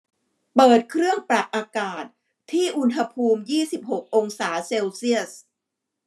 เปิดเครื่องปรับอากาศที่อุณหภูมิยี่สิบหกองศาเซลเซียส